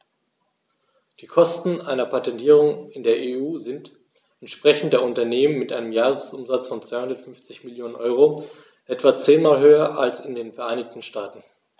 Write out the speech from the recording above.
Die Kosten einer Patentierung in der EU sind, entsprechend der Unternehmen mit einem Jahresumsatz von 250 Mio. EUR, etwa zehnmal höher als in den Vereinigten Staaten.